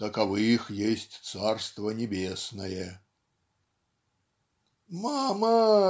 Таковых есть царство небесное". "Мама